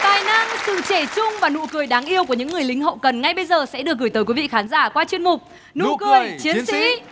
sự trẻ trung và nụ cười đáng yêu của những người lính hậu cần ngay bây giờ sẽ được gửi tới quý vị khán giả qua chuyên mục nụ cười chiến sĩ